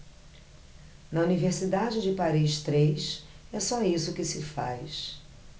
na universidade de paris três é só isso que se faz